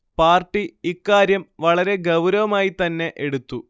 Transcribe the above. party ഇക്കാര്യം വളരെ ഗൗരവമായി തന്നെ എടുത്തു